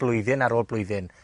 blwyddyn ar ôl blwyddyn.